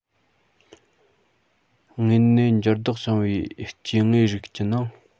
དངོས གནས འགྱུར ལྡོག བྱུང བའི སྐྱེ དངོས རིགས ཀྱི ནང